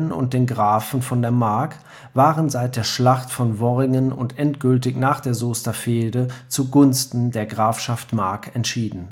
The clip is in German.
und den Grafen von der Mark waren seit der Schlacht von Worringen und endgültig nach der Soester Fehde zu Gunsten der Grafschaft Mark entschieden